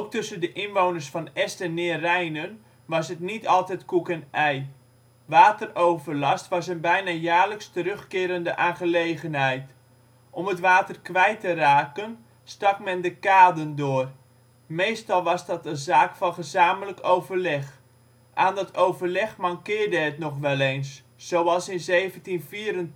tussen de inwoners van Est en Neerijnen was het niet altijd koek en ei. Wateroverlast was een bijna jaarlijks terugkerende aangelegenheid. Om het water kwijt te raken, stak men de kaden door. Meestal was dat een zaak van gezamenlijk overleg. Aan dat overleg mankeerde het nog wel eens, zoals in 1784